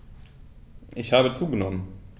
Ich habe zugenommen.